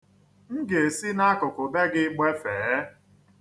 M ga-esi n'akụkụ be gị gbefee.